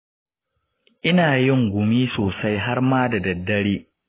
ina yin gumi sosai har ma da daddare.